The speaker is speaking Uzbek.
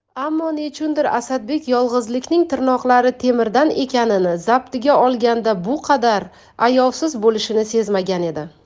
ammo nechundir asadbek yolg'izlikning tirnoqlari temirdan ekanini zabtiga olganda bu qadar ayovsiz bo'lishini sezmagan edi